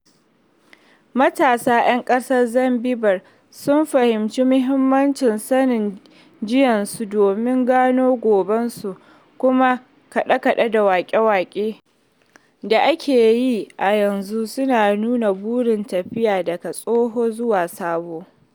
Matasa 'yan ƙasar Zanzibar sun fahimci muhimmancin sanin jiyansu domin gano gobensu kuma kaɗe-kaɗe da waƙe-waƙe da ake yi a yanzu suna nuna burin tafiya daga tsoho zuwa sabo.